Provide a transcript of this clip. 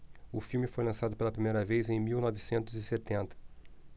o filme foi lançado pela primeira vez em mil novecentos e setenta